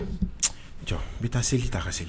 Bi taa sigi ta ka segin